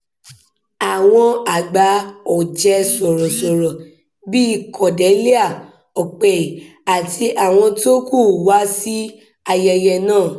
Àwọn àgbà ọ̀jẹ̀ẹ sọ̀rọ̀sọ̀rọ̀ bíi Cordelia Okpei àti àwọn tó kù wá sí ayẹyẹ náà.